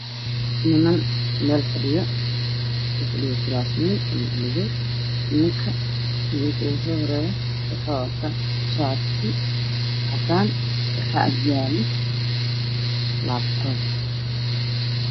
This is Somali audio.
Niman meel fadhiyo midka soo horeyo wuxuu wataa surwaal madow ah waxaa ag yaalo laabtoob